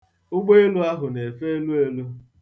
Ụgbọelụ ahu na-efe eluelu.